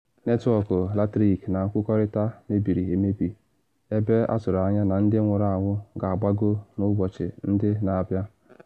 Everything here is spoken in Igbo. Netwọk latrik na nkwukọrịta mebiri emebi, ebe atụrụ anya na ndị nwụrụ anwụ ga-agbago n’ụbọchị ndị na-abịa.